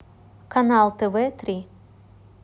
канал тв три